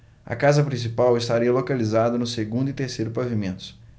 a casa principal estaria localizada no segundo e terceiro pavimentos